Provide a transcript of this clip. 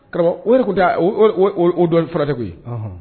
Karamɔgɔ o de tun taadɔn faratɛ ye